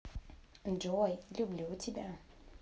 джой люблю тебя